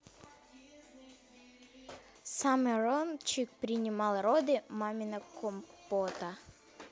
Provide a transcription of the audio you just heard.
cameron чик принимал роды мамина компота